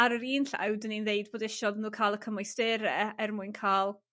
ar yr un llaw 'dan ni'n ddeud bod isio iddo nhw ca'l y cymwystere er mwyn ca'l...